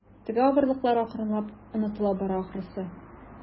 Теге авырлыклар акрынлап онытыла бара, ахрысы.